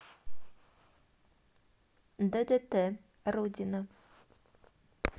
ддт родина